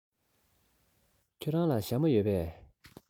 ཁྱེད རང ལ ཞྭ མོ ཡོད པས